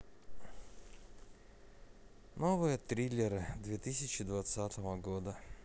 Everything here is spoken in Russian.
новые триллеры две тысячи двадцатого года